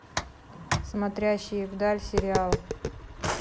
смотрящие вдаль сериал